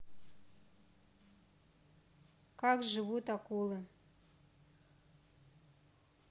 как живут акулы